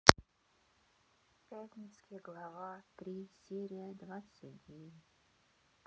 пятницкий глава три серия двадцать девять